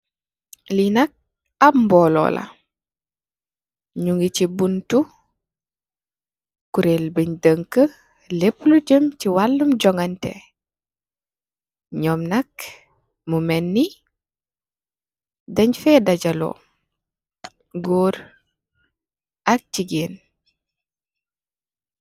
Lee nak ab moulo la nuge se bountu kurell bun denke leplo jem se walum juganteh num nak mu melne dang fe dajalo goor ak jegain.